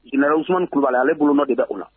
Jinɛwunu kulubalibali aleale boloma deda u na